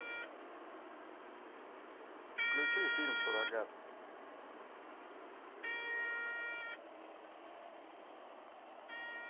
включи фильм суррогаты